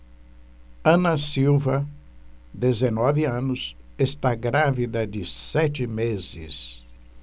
ana silva dezenove anos está grávida de sete meses